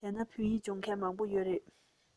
བྱས ན བོད ཡིག སྦྱོང མཁན མང པོ ཡོད པ རེད